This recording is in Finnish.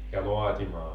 ja laatimaan